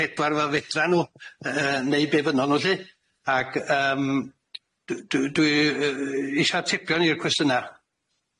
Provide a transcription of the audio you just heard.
pedwar fel fedra nw yy neu be' bynnon nw 'lly ac yym d- d- dwi yy isio atebion i'r cwestiyna.